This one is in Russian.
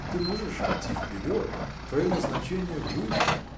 – Ты можешь идти вперед: твое назначение выше